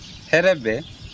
hɛrɛ bɛ